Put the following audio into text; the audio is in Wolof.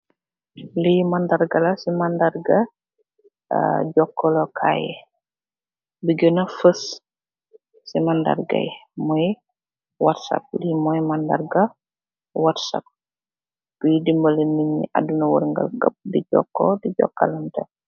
Lii mandarga la, si mandarga gaa jookalé kaay. Li gënna fës, si mandarga yi mooy, watsap, lii mooy mandarga watsap, biy dembale nit ñi aduna wërngal këp di jookalanté.